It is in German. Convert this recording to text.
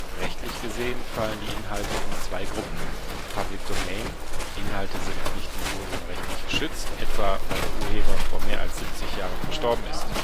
Rechtlich gesehen fallen die Inhalte in zwei Gruppen: Public Domain: Inhalte sind nicht mehr urheberrechtlich geschützt, etwa, weil der Urheber vor mehr als siebzig Jahren verstorben ist